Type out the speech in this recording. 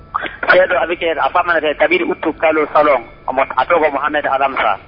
kabini utilalo